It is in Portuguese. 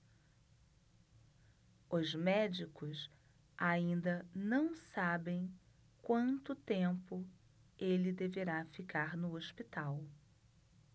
os médicos ainda não sabem quanto tempo ele deverá ficar no hospital